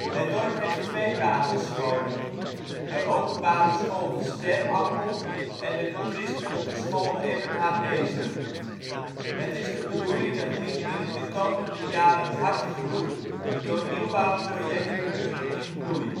Het dorp heeft twee basisscholen: de openbare school De Sterappel en de christelijke school Eben Haezer. Het is de bedoeling dat Lienden in de komende jaren hard groeit door nieuwbouwproject Buren in Bloei